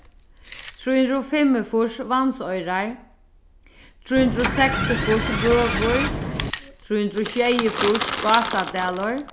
trý hundrað og fimmogfýrs vatnsoyrar trý hundrað og seksogfýrs bøur trý hundrað og sjeyogfýrs gásadalur